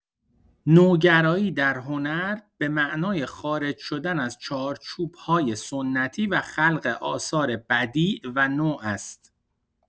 نوگرایی در هنر به معنای خارج شدن از چارچوب‌های سنتی و خلق آثار بدیع و نو است.